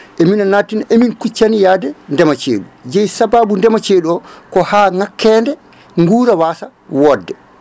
emina nattina emin kuccani yaade ndeema ceeɗu jeeyi saababu ndeema ceeɗu ko ha ngakkede guura wasa wodde